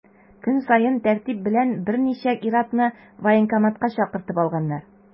Көн саен тәртип белән берничә ир-атны военкоматка чакыртып алганнар.